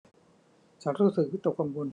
ฉันรู้สึกวิตกกังวล